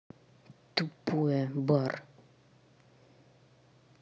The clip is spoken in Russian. тупое бар